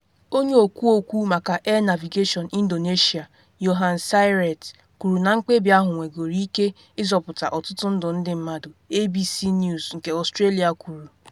Onye okwu okwu maka Air Navigation Indonesia, Yohannes Sirait, kwuru na mkpebi ahụ nwegoro ike ịzọpụta ọtụtụ ndụ ndị mmadụ, ABC News nke Australia kwuru.